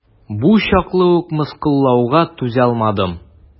Бу чаклы ук мыскыллауга түзалмадым.